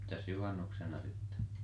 mitäs juhannuksena sitten